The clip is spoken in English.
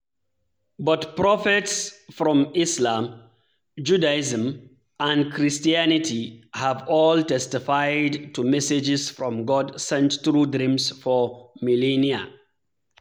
But prophets from Islam, Judaism and Christianity have all testified to messages from God sent through dreams for millennia.